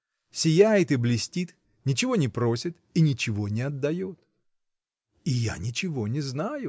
Сияет и блестит, ничего не просит и ничего не отдает! И я ничего не знаю!